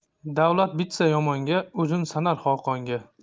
davlat bitsa yomonga o'zin sanar xoqonga